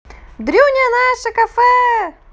дрюня наше кафе